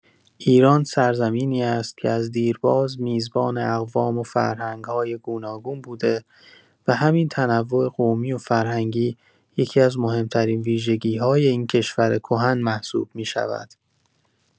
ایران سرزمینی است که از دیرباز میزبان اقوام و فرهنگ‌های گوناگون بوده و همین تنوع قومی و فرهنگی، یکی‌از مهم‌ترین ویژگی‌های این کشور کهن محسوب می‌شود.